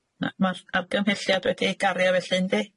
Ma- ma'r argymhelliad wedi ei gario felly, ndi?